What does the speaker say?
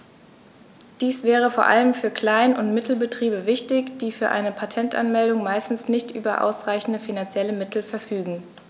Dies wäre vor allem für Klein- und Mittelbetriebe wichtig, die für eine Patentanmeldung meistens nicht über ausreichende finanzielle Mittel verfügen.